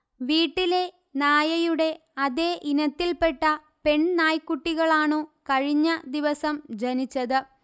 വീട്ടിലെ നായയുടെ അതേ ഇനത്തില്പ്പെട്ട പെണ്നായ്ക്കുട്ടികളാണു കഴിഞ്ഞ ദിവസം ജനിച്ചത്